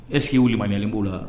Ɛs wulilayalen b'o la